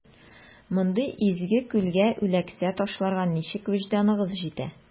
Мондый изге күлгә үләксә ташларга ничек вөҗданыгыз җитә?